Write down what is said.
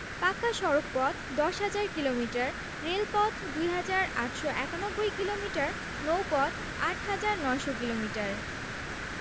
পাকা সড়কপথ ১০হাজার কিলোমিটার রেলপথ ২হাজার ৮৯১ কিলোমিটার নৌপথ ৮হাজার ৯০০ কিলোমিটার